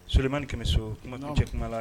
Solimani ni kɛmɛ bɛ so kuma cɛ kuma la